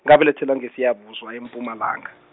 ngabelethelwa ngeSiyabuswa e- Mpumalanga.